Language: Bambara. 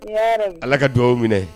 Ala ka dugaw minɛ